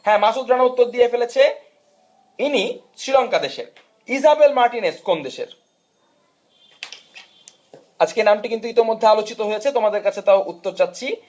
হে মাসুদ রানা উত্তর দিয়ে ফেলেছে ইনি শ্রীলংকা দেশের ইজাবেল মার্টিনেজ কোন দেশের আজকে নামটি কিন্তু ইতোমধ্যে আলোচিত হয়েছে তোমাদের কাছে তা উত্তর চাচ্ছি